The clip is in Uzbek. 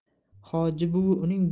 hoji buvi uning